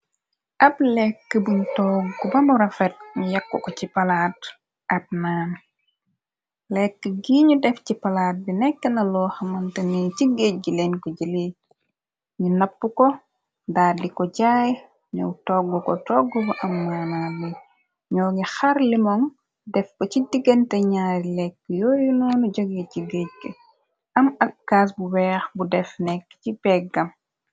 Ab lekk buñu togg bamu rafet ñu yakku ko ci palaat ab naami lekk gii ñu def ci palaat bi nekkna loo xamanteni ci géej gi leen ko jëli ñu napp ko daar di ko jaay ñoow togg ko toggb am wenal bi ñoo ngi xar limoŋ def bo ci digante ñaari lekk yoo yu noonu joge ci géej g am ak kaas bu weex bu def nekk ci peggam.